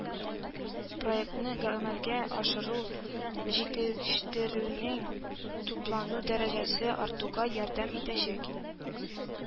Проектны гамәлгә ашыру җитеш терүнең туплану дәрәҗәсе артуга ярдәм итәчәк